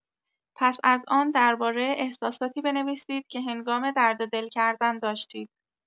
پس از آن، درباره احساساتی بنویسید که هنگام درددل کردن داشتید.